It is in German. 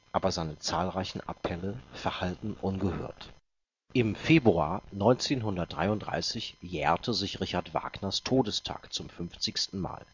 aber seine zahlreichen Appelle verhallten ungehört. Im Februar 1933 jährte sich Richard Wagners Todestag zum 50. Mal